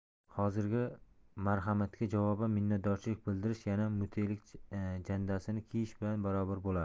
hozirgi marhamatga javoban minnatdorchilik bildirish yana mutelik jandasini kiyish bilan barobar bo'lardi